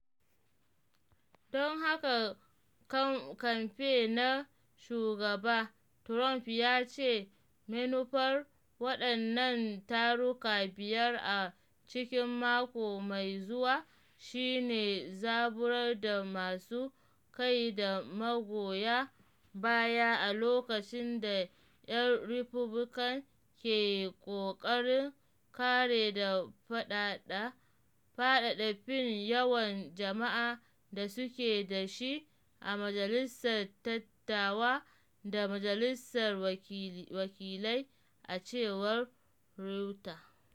Don haka, kamfe na Shugaba Trump ya ce manufar waɗannan taruka biyar a cikin mako mai zuwan shi ne “zaburar da masu sa-kai da magoya baya a lokacin da ‘yan Republican ke ƙoƙarin kare da faɗaɗa fin yawan jama’a da suke da shi a Majalisar Dattawa da Majalisar Wakilai,” a cewar Reuters.